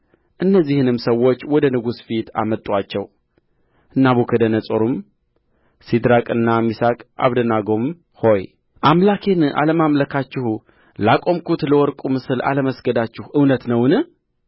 እነዚህንም ሰዎች ወደ ንጉሡ ፊት አመጡአቸው ናቡከደነፆርም ሲድራቅና ሚሳቅ አብደናጎም ሆይ አምላኬን አለማምለካችሁ ላቆምሁትም ለወርቁ ምስል አለመስገዳችሁ እውነት ነውን